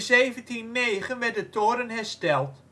1709 werd de toren hersteld